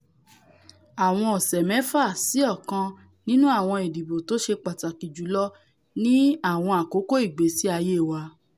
Àwọn ọ̀sẹ̀ mẹ́fà sí ọ̀kan nínú àwọn ìdìbò tóṣe pàtàkì jùlọ ní àwọn àkókò ìgbésí-ayé wa.